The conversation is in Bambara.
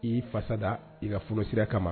I fasa da i ka fonisereya kama